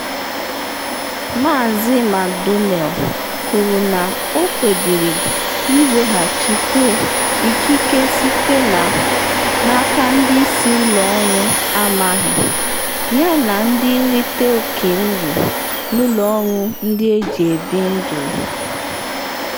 Mazị McDonnell kwuru na o kpebiri iweghachite ikike site na n’aka ndị ‘isi ụlọ ọrụ amaghị’ yana “ndị nrite oke uru’ n’ụlọ ọrụ ndị eji ebi ndụ.